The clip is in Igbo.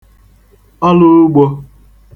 ọlụugbō